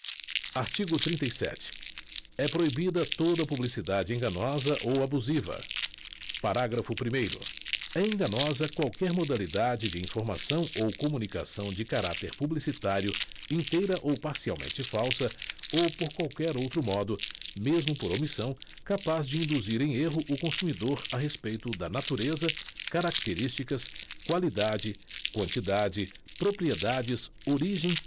artigo trinta e sete é proibida toda publicidade enganosa ou abusiva parágrafo primeiro é enganosa qualquer modalidade de informação ou comunicação de caráter publicitário inteira ou parcialmente falsa ou por qualquer outro modo mesmo por omissão capaz de induzir em erro o consumidor a respeito da natureza características qualidade quantidade propriedades origem